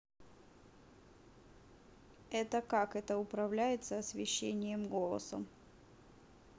это как это управляется освещением голосом